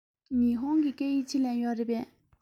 ཉི ཧོང གི སྐད ཡིག ཆེད ལས ཡོད རེད པས